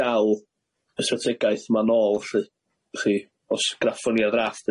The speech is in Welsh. dal y strategaeth 'ma nôl lly w'ch chi os gaffon ni o ar ddrafft